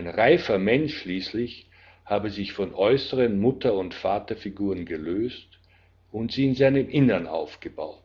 reifer Mensch schließlich habe sich von äußeren Mutter - und Vaterfiguren gelöst und sie in seinem Inneren aufgebaut